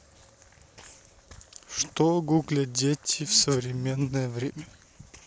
что гуглят дети в современное время